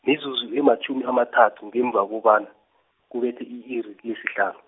mizuzu ematjhumi amathathu ngemva kobana, kubethe i-iri lesihlanu.